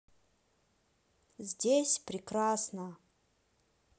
здесь прекрасно